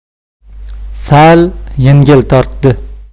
sal yengil tortdi